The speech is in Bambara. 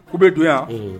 K'u be don yan unhun